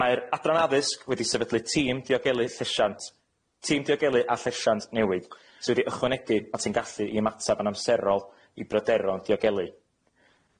Mae'r Adran Addysg wedi sefydlu tîm diogelu llesiant, Tîm Diogelu a Llesiant newydd sy' wedi ychwanegu at ein gallu i ymatab yn amserol i bryderon diogelu.